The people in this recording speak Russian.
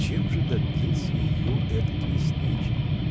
Чем же добился ее этот лесничий?